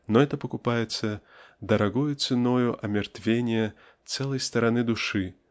но это покупается дорогою ценою омертвения целой стороны души